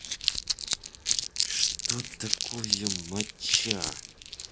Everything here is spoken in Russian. что такое моча